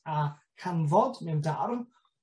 A canfod mewn darn.